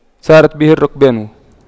سارت به الرُّكْبانُ